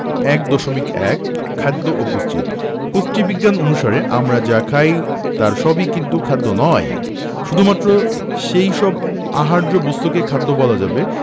১.১ খাদ্য ও পুষ্টি পুষ্টিবিজ্ঞান অনুসারে আমরা যা খাই তার সবই কিন্তু খাদ্য নয় শুধুমাত্র সেই সব আহার্য বস্তুকেই খাদ্য বলা যাবে